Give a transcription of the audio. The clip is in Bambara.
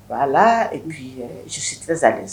Voila, ecoute bien, je suis très à l'aise